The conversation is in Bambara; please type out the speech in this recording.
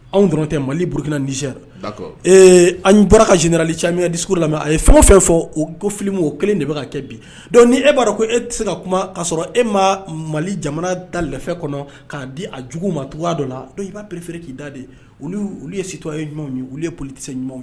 Anw dɔrɔn tɛ mali burukina diyara ee an bɔra ka jinalic di la a ye fɛn fɛ fɔ o ko fili mɔgɔw o kelen de bɛ ka kɛ bi dɔn ni e'a ko e tɛ se ka kuma'a sɔrɔ e ma mali jamana dafɛ kɔnɔ k'a di a jugu ma tu' dɔ la dɔw i b'a perefeere k'i da de olu olu ye si to ye ɲuman ye wulioli tɛse ɲumanw ye